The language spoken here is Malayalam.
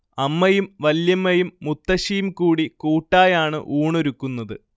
അമ്മയും വല്യമ്മയും മുത്തശ്ശിയും കൂടി കൂട്ടായാണ് ഊണൊരുക്കുന്നത്